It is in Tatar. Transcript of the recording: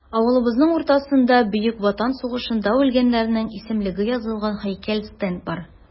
Авылыбызның уртасында Бөек Ватан сугышында үлгәннәрнең исемлеге язылган һәйкәл-стенд бар.